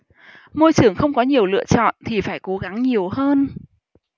môi trường không có nhiều lựa chọn thì phải cố gắng nhiều hơn